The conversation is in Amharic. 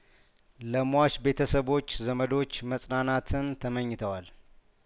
ለሟች ቤተሰቦች ዘመዶች መጽናናትን ተመኝተዋል